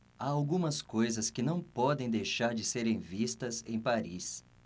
há algumas coisas que não podem deixar de serem vistas em paris